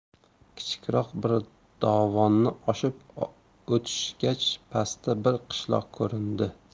kichikroq bir dovonni oshib o'tishgach pastda bir qishloq ko'rindi